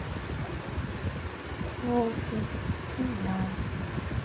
волки семья